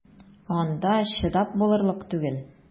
Анда чыдап булырлык түгел!